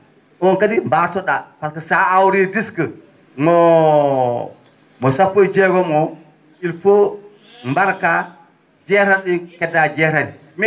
?oon kadi mbaarto?aa pasque so a aawrii disque mbo sappo e jeegom o il faut mbarkaa jeetati ?ii keddaa jeetati